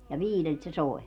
ja viideltä se soi